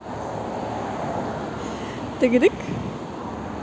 тыгыдык